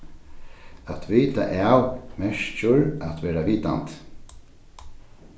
at vita av merkir at vera vitandi